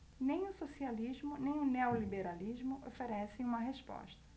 nem o socialismo nem o neoliberalismo oferecem uma resposta